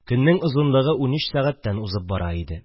Көннең озынлыгы унөч сәгатьтән узып бара иде